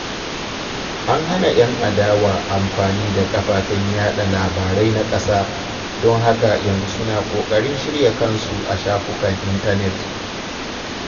An hana 'yan adawa amfani da kafafen yaɗa labarai na ƙasa, don haka yanzu suna ƙoƙarin shirya kansu a shafukan intanet.